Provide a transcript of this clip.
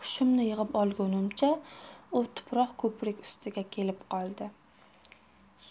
hushimni yig'ib olgunimcha u tuproq ko'prik ustiga kelib qoldi